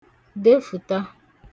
defụ̀ta